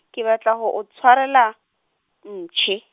ke batla ho o tshwarela, mpshe.